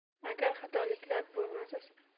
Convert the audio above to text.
bir yomonning bir yaxshisi bor